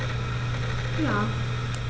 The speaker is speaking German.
Ja.